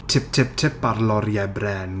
Tip tip tip ar loriau bren.